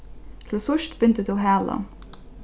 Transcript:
til síðst bindur tú halan